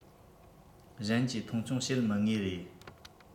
གཞན གྱིས མཐོང ཆུང བྱེད མི ངེས རེད